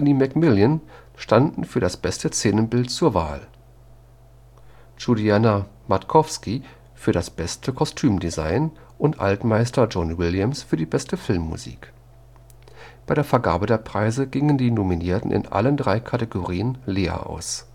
McMillan standen für das beste Szenenbild zur Wahl, Judianna Makovsky für das beste Kostümdesign und Altmeister John Williams für die beste Filmmusik. Bei der Vergabe der Preise gingen die Nominierten in allen drei Kategorien leer aus